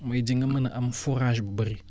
muy di nga mun a am fourage bu bari